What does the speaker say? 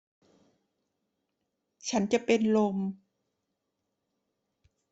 ฉันจะเป็นลม